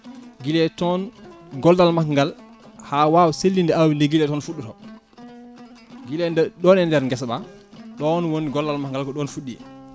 guiley toon gollal makko ngal ha wawa sellinde awdi ndi guilay toon fuɗɗoto guila ɗon e dner guesa ba ɗon woni gollal makko ngal ko ɗon fuɗɗi